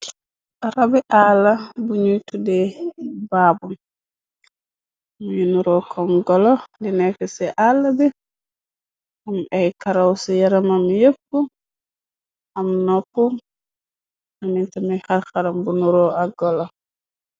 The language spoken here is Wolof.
rabi àlla buñuy tudde baabu muy nuro kon golo di nekk ci àlla bi am ay karaw ci yaramam yepp am nopp namitami xarxaram bu nuro ak golo